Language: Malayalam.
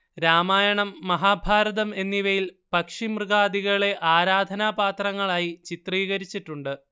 രാമായണം മഹാഭാരതം എന്നിവയിൽ പക്ഷിമൃഗാദികളെ ആരാധനാപാത്രങ്ങളായി ചിത്രീകരിച്ചിട്ടുണ്ട്